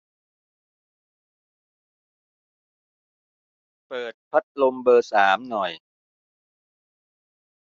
เปิดพัดลมเบอร์สามหน่อย